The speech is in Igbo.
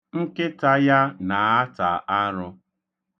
Nkịta ya na-ata arụ.